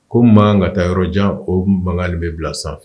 Ko mun ma kan ka taa yɔrɔ jan, mankan de bi bila sanfɛ.